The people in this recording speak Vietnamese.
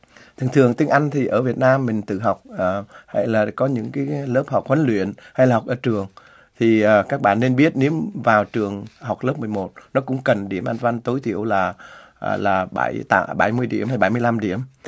thường thường tiếng anh thì ở việt nam mình tự học ở hay là có những cái lớp học huấn luyện hay học ở trường thì các bạn nên biết điểm vào trường học lớp mười một nó cũng cần điểm băn khoăn tối thiểu là là bảy tạ bảy mươi điểm hơn bảy mươi lăm điểm